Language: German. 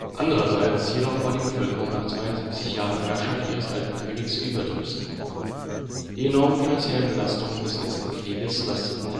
Andererseits jedoch war die Bevölkerung nach 72 Jahren Herrschaft ihres alten Königs überdrüssig. Die enormen finanziellen Belastungen des letzten Krieges lasteten